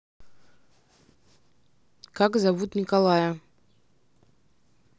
как зовут николая